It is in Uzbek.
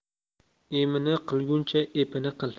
emini qilguncha epini qil